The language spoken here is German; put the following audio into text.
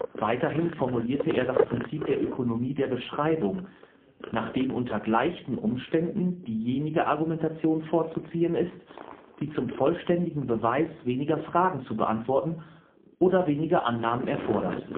Weiterhin formulierte er das Prinzip der Ökonomie der Beschreibung, nach dem unter gleichen Umständen diejenige Argumentation vorzuziehen ist, die zum vollständigen Beweis weniger Fragen zu beantworten oder weniger Annahmen erfordert